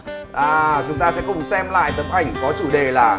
à chúng ta sẽ cùng xem lại tấm ảnh có chủ đề là